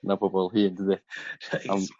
na bobol hŷn dydi? Reit